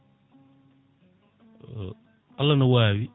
Allah ne wawi